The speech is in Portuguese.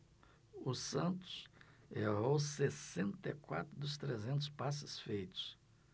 o santos errou sessenta e quatro dos trezentos passes feitos